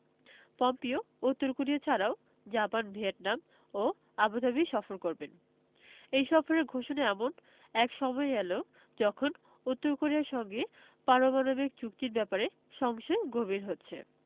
Pompeo উত্তর Korea ছাড়াও Japan Vietnam ও আবুধাবি সফর করবেন এই সফরের ঘোষণা এমন এক সময়ে এল যখন উত্তর কোরিয়ার সঙ্গে পারমাণবিক চুক্তির ব্যাপারে সংশয় গভীর হচ্ছে